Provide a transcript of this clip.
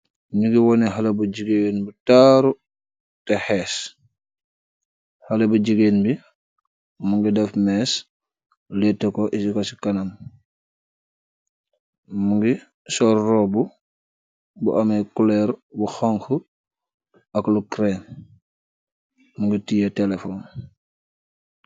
Nu ngi wone xale bu jigéen bi taaru te xees xale bu jigeen bi mu ngi daf mees lete ko isi ko ci kanam mu ngi sor rob bu ame cler bu xanghoud ak lu crain mu ngi tiye telefon